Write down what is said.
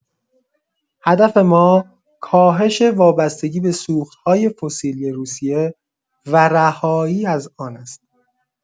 هدف ما کاهش وابستگی به سوخت‌های فسیلی روسیه و رهایی از آن است.